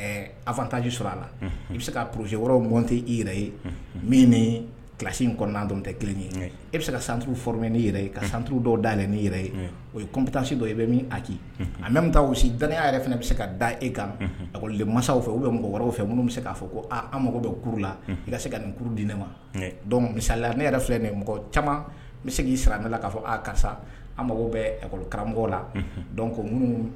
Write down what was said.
Kelen ka o yetasi dɔ i bɛ min aki a bɛ taa da yɛrɛ fana bɛ se ka da e kan le masaw fɛ u bɛ mɔgɔ wɛrɛ fɛ minnu bɛ se' fɔ ko mako bɛ la i se ka nin di ne ma dɔn misala ne yɛrɛ filɛ nin mɔgɔ caman n bɛ se k'i sara la k'a fɔ karisasa mako bɛ karamɔgɔ la